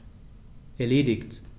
Erledigt.